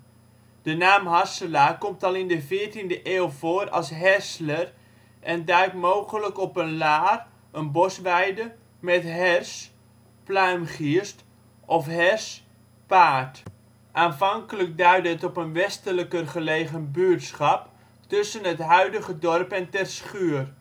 De naam Harselaar komt al in de 14e eeuw voor als Hersler en duidt mogelijk op een laar (bosweide) met hers (pluimgierst) of hers (paard). Aanvankelijk duidde het op een westelijker gelegen buurtschap, tussen het huidige dorp en Terschuur